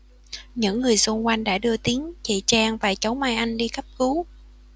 những người xung quanh đã đưa tín chị trang và cháu mai anh đi cấp cứu